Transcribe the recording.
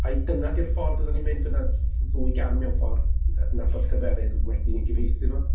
Ai dyna'r 'di'r ffordd fyddwn ni'n mynd, fydd 'na ddwy gam mewn ffordd adnabod lleferydd wedyn ei gyfieithu fo?